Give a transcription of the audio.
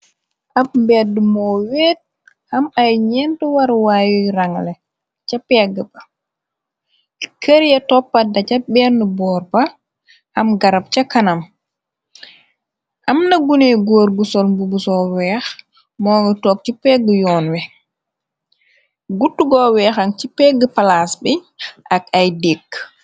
Ab mbeda mu wet am ay ñénti warruway rang nga leh ci pegg ba kër yé toppa teh ca benna bór ba am garab ca kanam am na guney gór gu sol mbubu so wèèx mu ngi tóóg ci pegg yoon wi guttu go wèèx can ci pegg palas bi ak ay dékk.